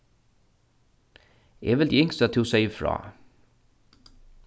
eg vildi ynskt at tú segði frá